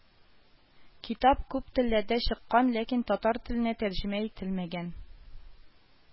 Китап күп телләрдә чыккан, ләкин татар теленә тәрҗемә ителмәгән